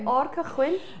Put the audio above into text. O'r cychwyn?